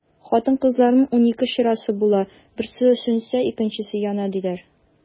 Хатын-кызларның унике чырасы була, берсе сүнсә, икенчесе яна, диләр.